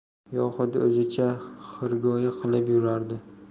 yoxud o'zicha xirgoyi qilib yurardi